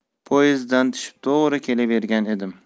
poezddan tushib to'g'ri kelavergan edim